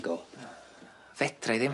Yy fedrai ddim.